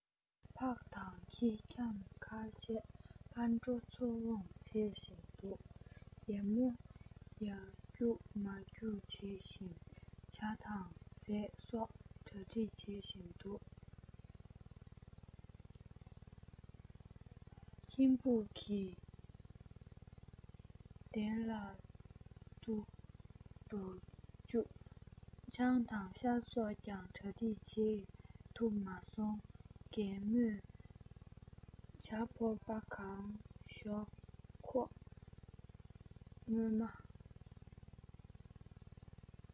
ཕག དང ཁྱི འཁྱམ ཁ ཤས ཕར འགྲོ ཚུར འོང བྱེད བཞིན འདུག རྒད མོ ཡར རྒྱུག མར རྒྱུག བྱེད བཞིན ཇ དང ཟས སོགས གྲ སྒྲིག བྱེད བཞིན འདུག ཁྱིམ ཕུག གི གདན ལ འདུག ཏུ བཅུག ཆང དང ཤ སོགས ཀྱང གྲ སྒྲིག བྱེད ཐུབ མ སོང རྒད མོས ཇ ཕོར པ གང ཞོག ཁོག བརྔོས མ